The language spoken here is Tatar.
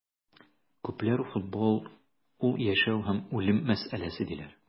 Күпләр футбол - ул яшәү һәм үлем мәсьәләсе, диләр.